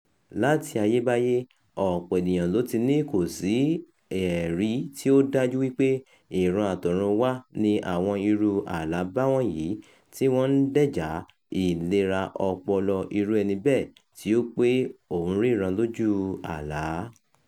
Láti ayébáyé, ọ̀pọ̀ ènìyàn ló ti ní kò sí ẹ̀rí tí ó dájú wípé ìran àt'ọ̀run wá ni àwọn irú àlá báwọ̀nyí, tí wọn ń dẹ́jàá ìlera ọpọlọ irú ẹni bẹ́ẹ̀ tí ó pé òún ríran lójú àlá.